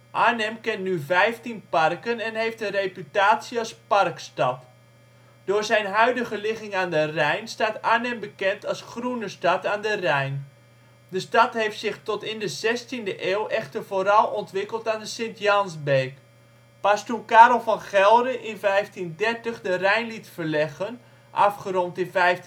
Arnhem kent nu 15 parken en heeft een reputatie als ' Parkstad '. De Rijkerswoerdse plassen in Arnhem-Zuid Door zijn huidige ligging aan de Rijn staat Arnhem bekend als groene stad aan de Rijn. De stad heeft zich tot in de 16e eeuw echter vooral ontwikkeld aan de St. Jansbeek. Pas toen Karel van Gelre in 1530 de Rijn liet verleggen (afgerond in 1536